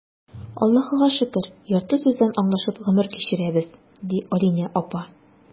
Аллаһыга шөкер, ярты сүздән аңлашып гомер кичерәбез,— ди Алинә апа.